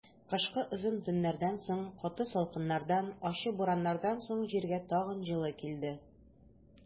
Кышкы озын төннәрдән соң, каты салкыннардан, ачы бураннардан соң җиргә тагын җылы килде.